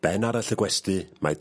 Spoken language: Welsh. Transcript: Ben arall y gwesty mae...